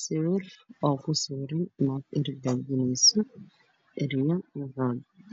Sawir oo ku sawiran mooto iridkaa galayso ariyo waxay ka